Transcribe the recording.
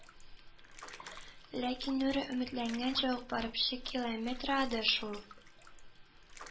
Ләкин Нюра өметләнгәнчә үк барып чыкилометрады шул